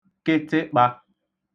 kịtịkpā